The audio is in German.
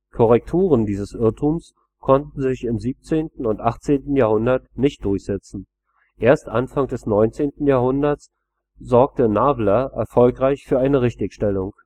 Korrekturen dieses Irrtums konnten sich im 17. und 18. Jahrhundert nicht durchsetzen; erst Anfang des 19. Jahrhundert sorgte Navier erfolgreich für eine Richtigstellung